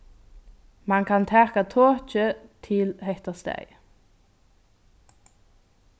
mann kann taka tokið til hetta staðið